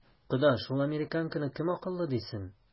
Кода, шул американканы кем акыллы дисен?